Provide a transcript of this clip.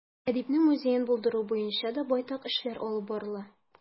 Әдипнең музеен булдыру буенча да байтак эшләр алып барыла.